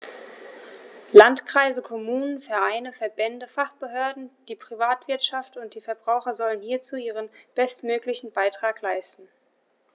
Landkreise, Kommunen, Vereine, Verbände, Fachbehörden, die Privatwirtschaft und die Verbraucher sollen hierzu ihren bestmöglichen Beitrag leisten.